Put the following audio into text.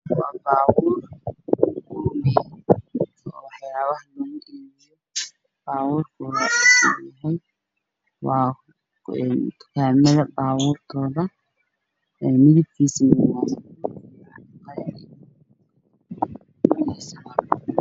Waa baabuur wax lugu iibiyo ama waa baabuurka tukaamada midabkiisu waa qaxwi.